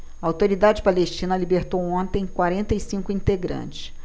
a autoridade palestina libertou ontem quarenta e cinco integrantes